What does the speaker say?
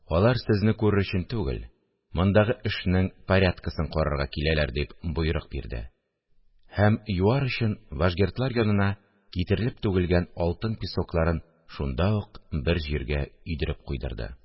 Алар сезне күрер өчен түгел, мондагы эшнең порядкасын карарга киләләр! – дип боерык бирде һәм юар өчен вашгердлар янына китерелеп түгелгән алтын песокларын шунда ук бер җиргә өйдереп куйдырды